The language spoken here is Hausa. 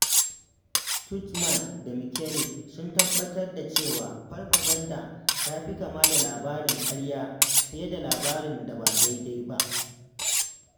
Tudjman da Mikelic sun tabbatar da cewa farfaganda ta fi kama da labarin ƙarya fiye da labarin da ba daidai ba.